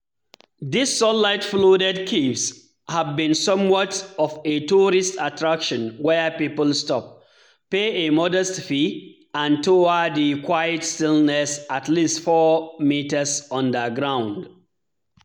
These sunlight-flooded caves have been somewhat of a tourist attraction where people stop, pay a modest fee, and tour the quiet stillness at least four meters underground.